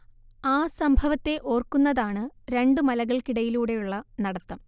ആ സംഭവത്തെ ഓർക്കുന്നതാണ് രണ്ടു മലകൾക്കിടയിലൂടെയുള്ള നടത്തം